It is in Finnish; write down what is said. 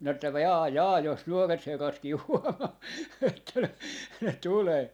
minä että - jaa jaa jos nuoret herratkin huomaa että noin ne tulee